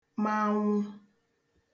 manwụ